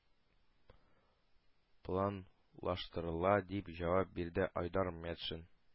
Планлаштырыла, – дип җавап бирде айдар метшин.